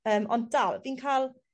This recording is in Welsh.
Yym ond dal fi'n ca'l